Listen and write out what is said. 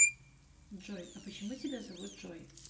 джой а почему тебя зовут джой